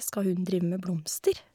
Skal hun drive med blomster?